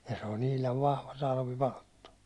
ja se on ihan vahva talvipalttoo